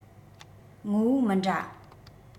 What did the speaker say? ངོ བོ མི འདྲ